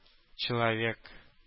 Человек